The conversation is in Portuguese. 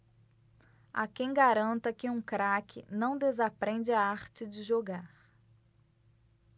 há quem garanta que um craque não desaprende a arte de jogar